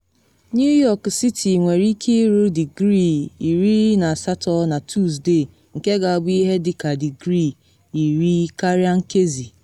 New York City nwere ike iru digrii 80 na Tusde, nke ga-abụ ihe dị ka digrii 10 karịa nkezi.